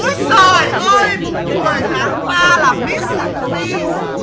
ối giời ơi mùng mười tháng ba là mít xinh pi